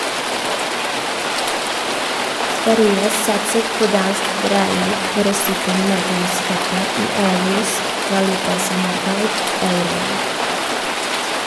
Sverige satset på dansk drahjelp for å sikre medlemskapet i EUs valutasamarbeid euroen.